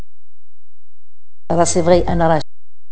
رسيفر بي ان